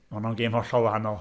Honno'n gêm hollol wahanol.